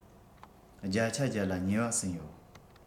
རྒྱ ཆ རྒྱ ལ ཉེ བ ཟིན ཡོད